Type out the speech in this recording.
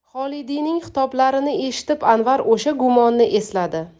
xolidiyning xitoblarini eshitib anvar o'sha gumonni esladi